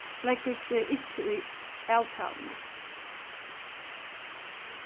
leggur seg ikki í avtaluna